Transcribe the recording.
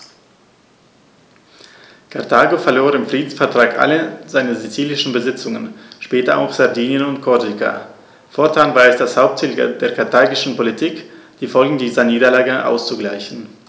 Karthago verlor im Friedensvertrag alle seine sizilischen Besitzungen (später auch Sardinien und Korsika); fortan war es das Hauptziel der karthagischen Politik, die Folgen dieser Niederlage auszugleichen.